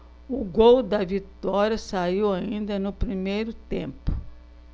o gol da vitória saiu ainda no primeiro tempo